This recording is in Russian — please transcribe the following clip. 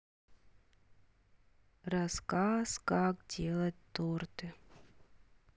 рассказ как делать торты